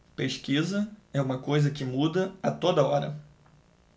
pesquisa é uma coisa que muda a toda hora